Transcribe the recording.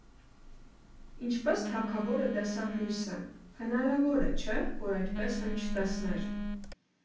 Ինչպե՞ս թագավորը տեսավ լույսը, հնարավոր է, չէ՞, որ այդպես էլ չտեսներ։